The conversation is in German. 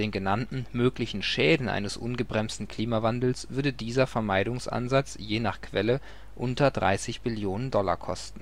genannten möglichen Schäden eines ungebremsten Klimawandels würde dieser Vermeidungsansatz je nach Quelle unter 30 Billionen Dollar kosten. Die Kosten für rasche